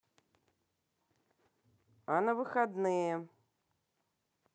а на выходные